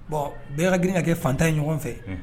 Bon bɛɛ g ka kɛ fantan ye ɲɔgɔn fɛ